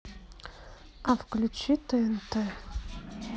а включи тнт